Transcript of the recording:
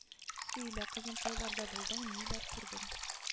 Сөйлә кызым кайларда булдың ниләр күрдең